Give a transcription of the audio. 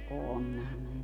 onhan ne